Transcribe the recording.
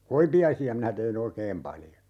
koipiaisia minä tein oikein paljon